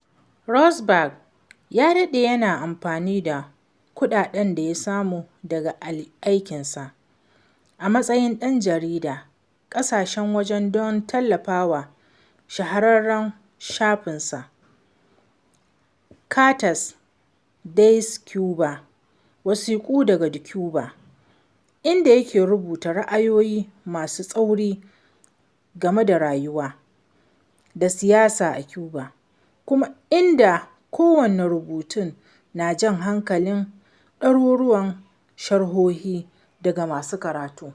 Ravsberg ya daɗe yana amfani da kuɗaɗen da ya samu daga aikinsa a matsayin ɗan jaridar ƙasashen waje don tallafawa shahararren shafinsa “Cartas desde Cuba” (Wasiƙu daga Cuba), inda yake rubuta ra'ayoyi masu tsauri game da rayuwa da siyasa a Cuba, kuma inda kowane rubutun na jan hankalin ɗaruruwan sharhohi daga masu karatu.